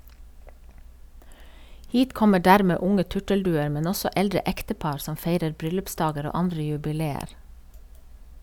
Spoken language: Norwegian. Hit kommer dermed unge turtelduer, men også eldre ektepar som feirer bryllupsdager og andre jubileer.